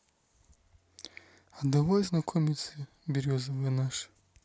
а давай знакомимся березовая наша